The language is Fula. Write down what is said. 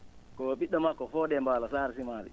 ko ?i??o makko Fode MBaalo Saare Simaali